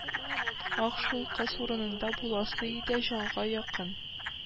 Ах, шул кыз урынында буласы иде дә, җанга якын